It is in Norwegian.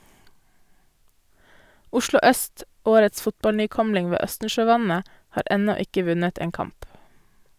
Oslo Øst - årets fotballnykomling ved Østensjøvannet - har ennå ikke vunnet en kamp.